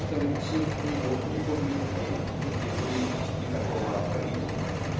Сторицын не мог не побледнеть и не произнести такого афоризма